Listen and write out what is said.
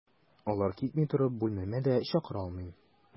Алар китми торып, бүлмәмә дә чакыра алмыйм.